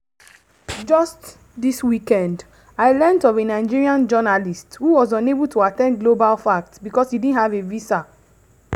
Just this weekend, I learnt of a Nigerian journalist who was unable to attend GlobalFact because he didn't have a visa.